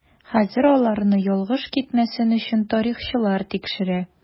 Хәзер аларны ялгыш китмәсен өчен тарихчылар тикшерә.